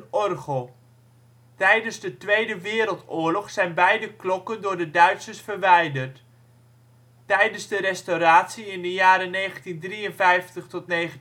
orgel. Tijdens de Tweede Wereldoorlog zijn beide klokken door de Duitsers verwijderd. Tijdens de restauratie in de jaren 1953-1958 is een